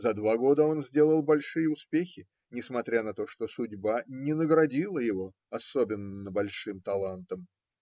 В два года он сделал большие успехи, несмотря на то, что судьба не наградила его особенно большим талантом.